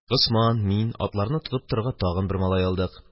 Госман, мин, атларны тотып торырга тагын бер малай алдык.